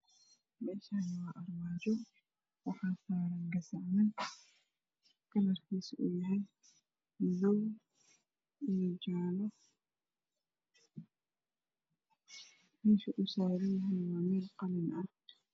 Meeshaan waa armaajo waxaa saaran gasacman kalarkooda uu yahay madow iyo jaalle meesha uu saaran yahane waa meel qalin ah.